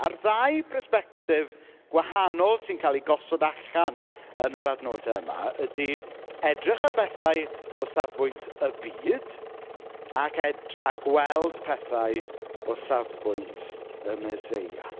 A'r ddau bersbectif gwahanol sy'n cael eu gosod allan yn yr adnodau yma ydy edrych ar bethau o safbwynt y byd ac edr- a gweld pethau o safbwynt y meseia.